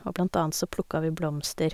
Og blant annet så plukka vi blomster.